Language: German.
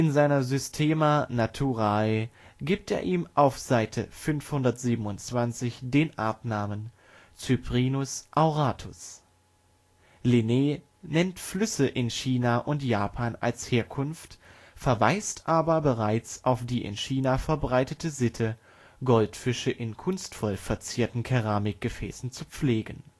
seiner Systema naturae gibt er ihm auf Seite 527 den Artnamen Cyprinus auratus. Linné nennt Flüsse in China und Japan als Herkunft, verweist aber bereits auf die in China verbreitete Sitte, Goldfische in kunstvoll verzierten Keramikgefäßen zu pflegen